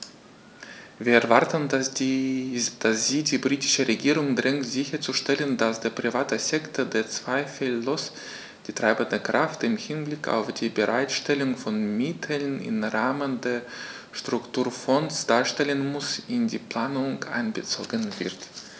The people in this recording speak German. Wir erwarten, dass sie die britische Regierung drängt sicherzustellen, dass der private Sektor, der zweifellos die treibende Kraft im Hinblick auf die Bereitstellung von Mitteln im Rahmen der Strukturfonds darstellen muss, in die Planung einbezogen wird.